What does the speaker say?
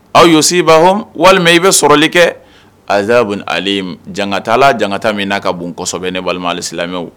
walima i bɛ sɔrɔli kɛ jankata, Ala ka jankata min n'a ka bon kɔsɛbɛ ne balimaw, alisilamɛw